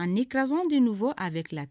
En écrasant de nouveau avec la